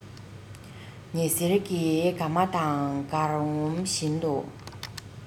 ཉི ཟེར གྱི དགའ མ དང དགར ངོམ བཞིན དུ